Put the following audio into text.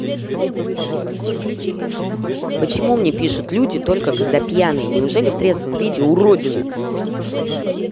почему мне пишут люди только когда пьяные неужели в трезвом виде уродина